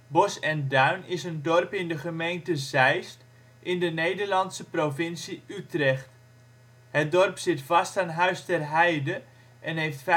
Bosch en Duin is een dorp in de gemeente Zeist, in de Nederlandse provincie Utrecht. Het dorp zit vast aan Huis ter Heide en heeft 2.540